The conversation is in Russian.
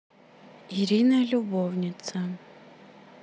ирина любовница